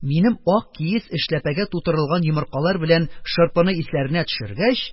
Минем ак киез эшләпәгә тутырылган йомыркалар белән шырпыны исләренә төшергәч,